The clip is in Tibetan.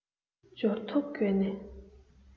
འབྱོར ཐོ འགོད གནས